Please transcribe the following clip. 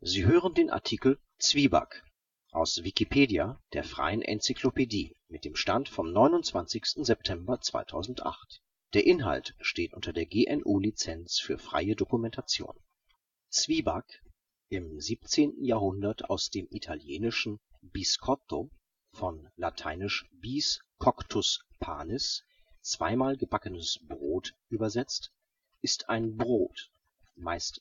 Sie hören den Artikel Zwieback, aus Wikipedia, der freien Enzyklopädie. Mit dem Stand vom Der Inhalt steht unter der Lizenz Creative Commons Attribution Share Alike 3 Punkt 0 Unported und unter der GNU Lizenz für freie Dokumentation. Zwieback Zwieback (im 17. Jahrhundert aus dem Italienischen biscotto von lateinisch bis coctus [panis], „ zweimal gebackenes [Brot] “übersetzt) ist ein Brot (meist